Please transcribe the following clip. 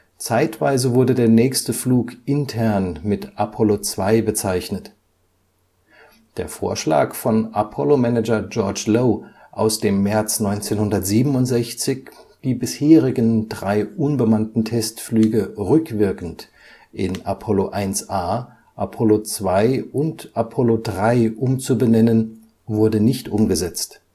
Zeitweise wurde der nächste Flug intern mit „ Apollo 2 “bezeichnet. Der Vorschlag von Apollo-Manager George Michael Low aus dem März 1967, die bisherigen drei unbemannten Testflüge rückwirkend in „ Apollo 1A “,„ Apollo 2 “und „ Apollo 3 “umzubenennen, wurde nicht umgesetzt